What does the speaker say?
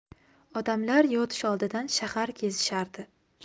odamlar yotish oldidan shahar kezishardi